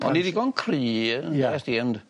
bod... O'n i ddigon cry... Ie. ...dd'est ti ond